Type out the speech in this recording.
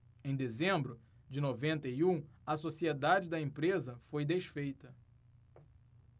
em dezembro de noventa e um a sociedade da empresa foi desfeita